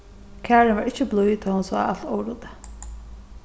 karin var ikki blíð tá hon sá alt óruddið